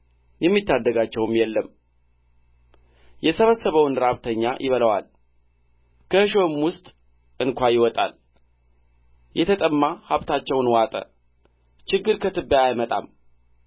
የሚታደጋቸውም የለም የሰበሰበውንም ራብተኛ ይበላዋል ከእሾህም ውስጥ እንኳ ያወጣዋል የተጠማ ሀብታቸውን ዋጠ ችግር ከትቢያ አይመጣም